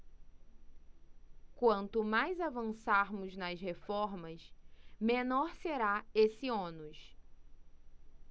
quanto mais avançarmos nas reformas menor será esse ônus